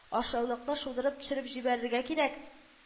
Ашъяулыкны шудырып төшереп җибәрергә кирәк